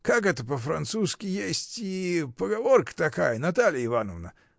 Как это по-французски есть и поговорка такая, Наталья Ивановна?